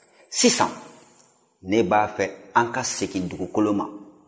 sisan ne b'a fɛ an ka segin dugukolo ma